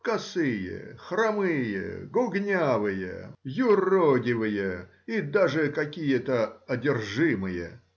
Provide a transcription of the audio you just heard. Косые, хромые, гугнявые, юродивые и даже. какие-то одержимые.